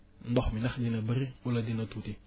ndox mi ndax dina bëri wala dina tuuti